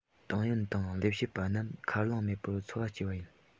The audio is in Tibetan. ཏང ཡོན དང ལས བྱེད པ རྣམས མཁའ རླུང མེད སར འཚོ བ སྐྱེལ བ མིན